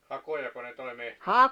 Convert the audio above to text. hakojako ne toi metsästä